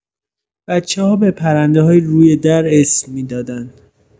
بچه‌ها به پرنده‌های روی در اسم می‌دادن.